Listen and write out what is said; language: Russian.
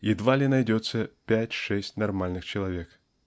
едва ли найдется пять-шесть нормальных человек.